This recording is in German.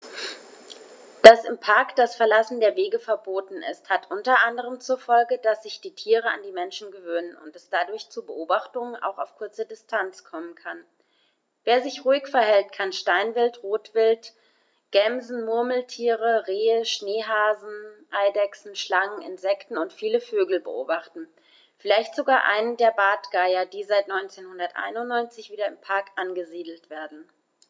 Dass im Park das Verlassen der Wege verboten ist, hat unter anderem zur Folge, dass sich die Tiere an die Menschen gewöhnen und es dadurch zu Beobachtungen auch auf kurze Distanz kommen kann. Wer sich ruhig verhält, kann Steinwild, Rotwild, Gämsen, Murmeltiere, Rehe, Schneehasen, Eidechsen, Schlangen, Insekten und viele Vögel beobachten, vielleicht sogar einen der Bartgeier, die seit 1991 wieder im Park angesiedelt werden.